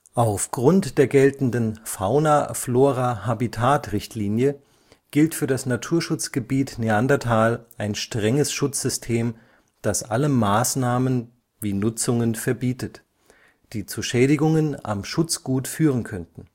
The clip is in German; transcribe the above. Auf Grund der geltenden Fauna-Flora-Habitat-Richtlinie gilt für das Naturschutzgebiet Neandertal ein strenges Schutzsystem, das alle Maßnahmen (Nutzungen) verbietet, die zu Schädigungen am Schutzgut führen könnten